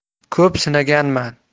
ko'p sinaganman